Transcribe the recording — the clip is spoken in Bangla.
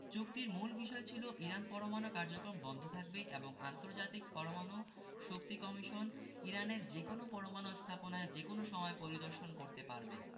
চুক্তির মূল বিষয় ছিল ইরান পরমাণু কার্যক্রম বন্ধ রাখবে এবং আন্তর্জাতিক পরমাণু শক্তি কমিশন ইরানের যেকোনো পরমাণু স্থাপনায় যেকোনো সময় পরিদর্শন করতে পারবে